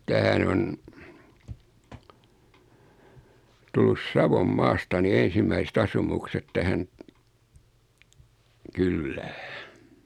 tähän on tullut Savonmaasta niin ensimmäiset asumukset tähän kylään